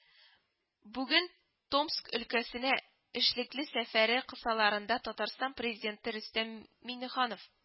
Бүген Томск өлкәсенә эшлекле сәфәре кысаларында Татарстан Президенты Рөстәм Миңнеханов